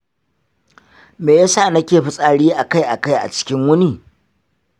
me yasa nake fitsari akai-akai a cikin wuni?